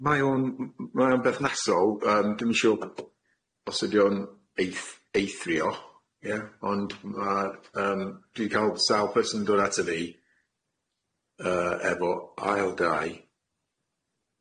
Mae o'n m- mae o'n bethnasol yym dwi'm yn siŵr os ydi o'n eith- eithrio ie ond ma' yym dwi ca'l sawl person yn dod ato fi yy efo ail dai